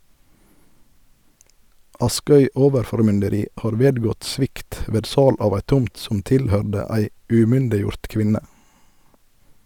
Askøy overformynderi har vedgått svikt ved sal av ei tomt som tilhøyrde ei umyndiggjord kvinne.